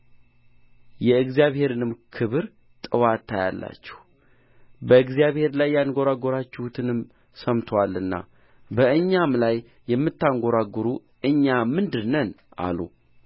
የእግዚአብሔርንም ክብር ጥዋት ታያላችሁ በእግዚአብሔር ላይ ያንጐራጐራችሁትን ሰምቶአልና በእኛም ላይ የምታንጐራጕሩ እኛ ምንድር ነን አሉ